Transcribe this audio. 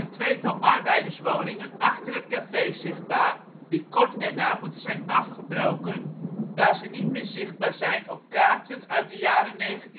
tweetal arbeiderswoningen achter het café zichtbaar, die kort erna moeten zijn afgebroken, daar ze niet meer zichtbaar zijn op kaarten uit de jaren 1960. In